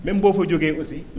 même boo fa jógee aussi